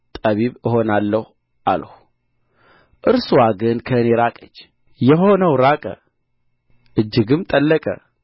ጠቢብ እሆናለሁ አልሁ እርስዋ ግን ከእኔ ራቀች የሆነው ራቀ እጅግም ጠለቀ